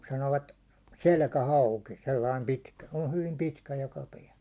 sanovat selkähauki sellainen pitkä se on hyvin pitkä ja kapea